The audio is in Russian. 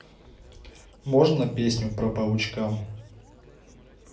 можно песню про паучка